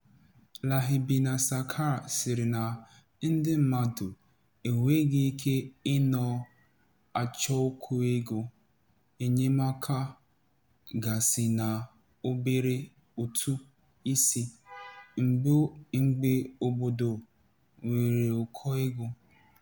@LahibBaniSakher Ndị mmadụ enweghị ike ịnọ achọkwu ego enyemaka gasị na obere ụtụ isi, mgbe obodo nwere ụkọ ego.